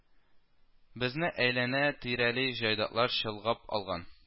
Безне әйләнә-тирәли җайдаклар чолгап алган